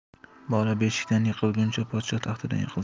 bola beshikdan yiqilguncha podsho taxtidan yiqilsin